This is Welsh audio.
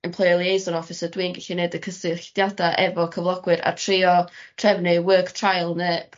yn career liason officer dwi'n gellu neud y cysylltiada efo cyflogwyr a trio trefnu work trial ne'